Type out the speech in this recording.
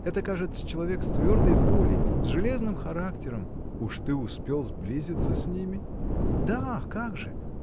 это, кажется, человек с твердой волей, с железным характером. – Уж ты успел сблизиться с ними? – Да, как же!.